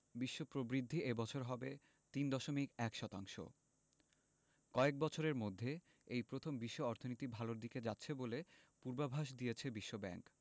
বিশ্ব প্রবৃদ্ধি এ বছর হবে ৩.১ শতাংশ কয়েক বছরের মধ্যে এই প্রথম বিশ্ব অর্থনীতি ভালোর দিকে যাচ্ছে বলে পূর্বাভাস দিয়েছে বিশ্বব্যাংক